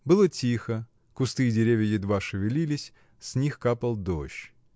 Было тихо, кусты и деревья едва шевелились, с них капал дождь.